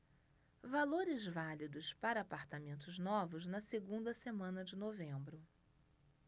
valores válidos para apartamentos novos na segunda semana de novembro